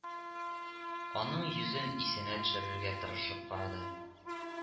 Аның йөзен исенә төшерергә тырышып карады